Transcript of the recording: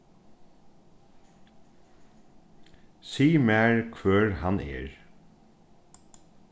sig mær hvør hann er